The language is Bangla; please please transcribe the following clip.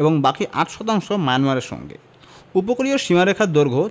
এবং বাকি ৮ শতাংশ মায়ানমারের সঙ্গে উপকূলীয় সীমারেখার দৈর্ঘ্য